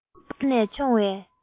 རྒྱུག པ ནས མཆོང བའི